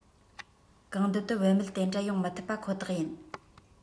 གང འདོད དུ བེད མེད དེ འདྲ ཡོང མི ཐུབ པ ཁོ ཐག ཡིན